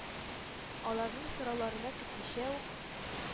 Аларның сорауларын көтмичә үк,